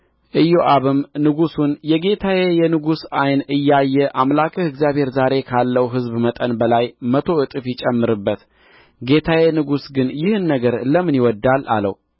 ኢዮአብም ንጉሡን የጌታዬ የንጉሡ ዓይን እያየ አምላክህ እግዚአብሔር ዛሬ ካለው ሕዝብ መጠን በላይ መቶ እጥፍ ይጨምርበት ጌታዬ ንጉሡ ግን ይህን ነገር ለምን ይወድዳል አለው